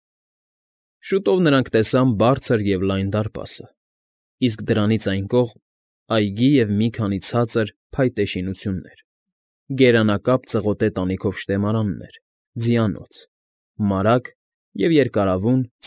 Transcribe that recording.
Շուտով նրանք տեսան բարձր և լայն դարպասը, իսկ դրանից այն կողմ՝ այգի և մի քանի ցածր, փայտե շինություններ. գերանակապ ծղոտե տանիքով շտեմարաններ, ձիանոց, մարագ և երկարավուն,